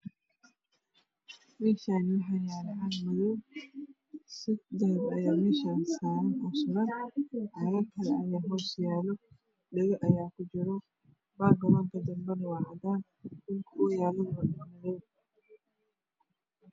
Meshaani waxaa yalo caag madoow sed dahaba ayaa meshaan saran cagag kale ayaa hoos yalo dhego ayaa ku jiro bagaroonka dambana waa cadan dhulka uyalana waa dhul madoow